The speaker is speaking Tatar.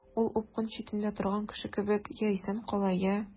Ул упкын читендә торган кеше кебек— я исән кала, я...